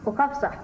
o ka fisa